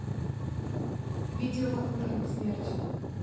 видео как выглядит смерть